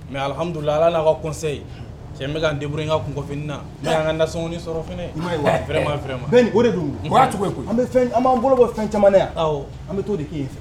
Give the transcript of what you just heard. Mɛ alihamdulilala ala ka kɔ cɛ bɛ'an denburu' kunf na' ka lasɔn sɔrɔma fɛ ma o de cogo an an'an bolo bɔ fɛn caman yan an bɛ t to de'i fɛ